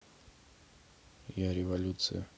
я революция